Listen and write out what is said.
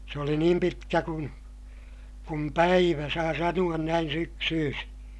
se oli niin pitkä kuin kuin päivä saa sanoa näin syksyisin